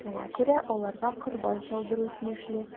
Шуңа күрә аларга корбан чалдыру тиешле.